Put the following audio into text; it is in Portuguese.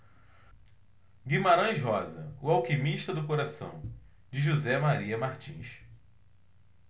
guimarães rosa o alquimista do coração de josé maria martins